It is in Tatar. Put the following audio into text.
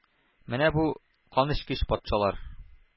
Менә бу канечкеч патшалар,